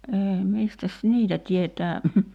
ei mistäs niitä tietää